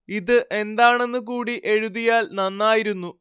ഇത് എന്താണെന്ന് കൂടി എഴുതിയാല്‍ നന്നായിരുന്നു